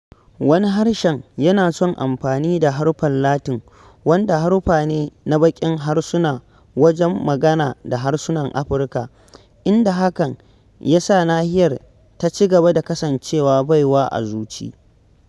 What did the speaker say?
Wani harshen yana son amfani da haruffan Latin, wanda harufa ne na baƙin harsuna wajen magana da harsunan Afirka, inda hakan ya sa nahiyar ta ci gaba da kasancewa baiwa a zuci.